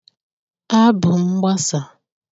abụmgbasà